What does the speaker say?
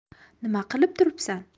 nima qilib turibsan